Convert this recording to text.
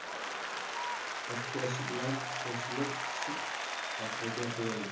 obkashi bilan qo'shilishib orqaga burildi